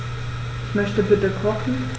Ich möchte bitte kochen.